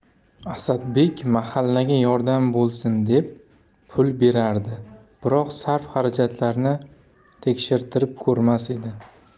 asadbek mahallaga yordam bo'lsin deb pul berardi biroq sarf xarajatlarni tekshirtirib ko'rmas edi